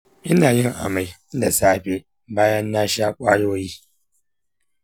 ina yin amai da safe bayan na sha kwayoyi.